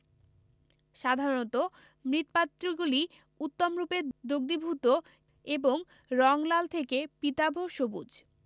সাধারণত মৃৎপাত্রগুলি উত্তমরূপে দগ্ধীভূত এবং রং লাল থেকে পীতাভ সবুজ